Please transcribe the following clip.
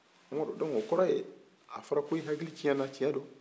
umaru dɔnki a fɔra k'i hakili cɛnna cɛn de don